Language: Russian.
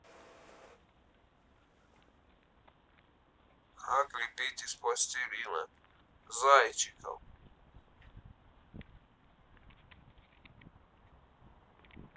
как лепить из пластилина зайчиков